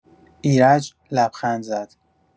ایرج لبخند زد.